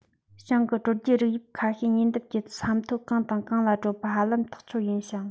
བྱང གི དྲོད རྒྱུད རིགས དབྱིབས ཁ ཤས ཉེ འདབས ཀྱི ས མཐོ གང དང གང ལ བགྲོད པ ཧ ལམ ཐག ཆོད ཡིན ཞིང